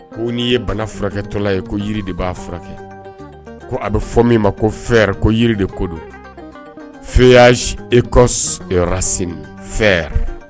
Ko ni ye bana furakɛtɔla ye ko yiri de b'a furakɛ ko a bɛ fɔ min ma ko fɛ ko yiri de ko do fɛ y'a eko fɛ